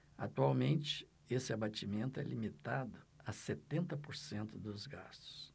atualmente esse abatimento é limitado a setenta por cento dos gastos